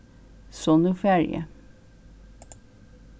so nú fari eg